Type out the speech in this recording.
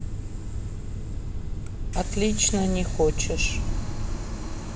отлично на хочешь